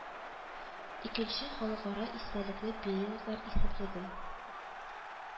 Икенче халыкара истәлекле периодлар исемлеге